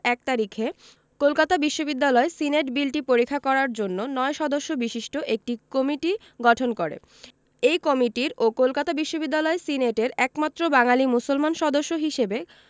১ তারিখে কলকাতা বিশ্ববিদ্যালয় সিনেট বিলটি পরীক্ষা করার জন্য ৯ সদস্য বিশিষ্ট একটি কমিটি গঠন করে এই কমিটির ও কলকাতা বিশ্ববিদ্যালয় সিনেটের একমাত্র বাঙালি মুসলমান সদস্য হিসেবে